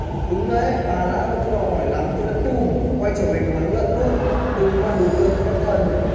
đúng đấy bà lão là cứ đòi hỏi lắm thế là bùm quay trở về cái máng lợn luôn đừng có mà đùa cợt với các thần